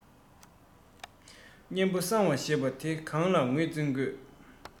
གཉན པོ གསང བ ཞེས པ དེ གང ལ ངོས འཛིན དགོས